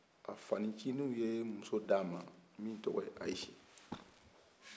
a fanin cinninw ye muso d'a ma min tɔgɔ ye ayise